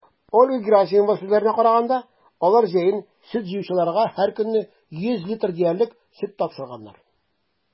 Ольга Герасимова сүзләренә караганда, алар җәен сөт җыючыларга һәркөнне 100 литр диярлек сөт тапшырганнар.